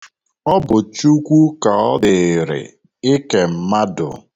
Ọ bụ Chukwu ka ọ dịịrị ịke mmadụ